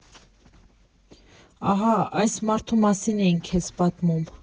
«Ահա այս մարդու մասին էի քեզ պատմում»։